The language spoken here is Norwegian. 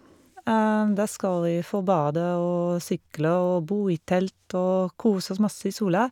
Da skal vi få bade og sykle og bo i telt og kose oss masse i sola.